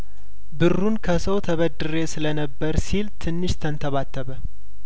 ብሩን ከሰው ተበድሬ ስለነበር ሲል ትንሽ ተንተባተ በ